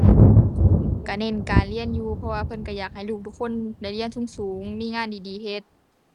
ก็เน้นการเรียนอยู่ เพราะว่าเพิ่นก็อยากให้ลูกทุกคนได้เรียนสูงสูงมีงานดีดีเฮ็ด